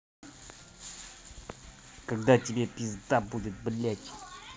когда тебе пизда будет блядь